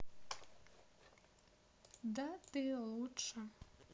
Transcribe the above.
да ты лучше